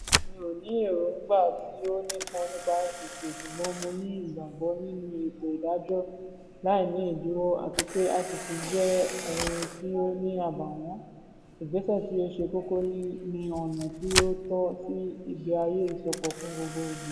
Mi ò ní èròńgbà tí ó nípọn nípa ICC, ṣùgbọ́n mo ní ìgbàgbọ́ nínú ètò ìdájọ́ láì ni ìdíwọ́, àti pé ICC jẹ́ (ohun tí ó ní àbàwọ́n) ìgbésẹ̀ tí ó ṣe kókó ni ọ̀nà tí ó tọ́ sí ìgbé ayé ìsopọ̀ fún gbogbogbò